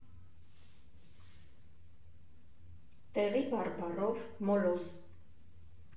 Տեղի բարբառով՝ մոլոզ։